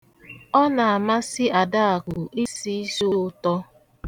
Ọ na-amasị Adakụ isi isi ụtọ.